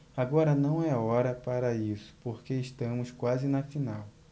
agora não é hora para isso porque estamos quase na final